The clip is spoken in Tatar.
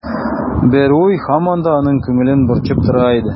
Бер уй һаман да аның күңелен борчып тора иде.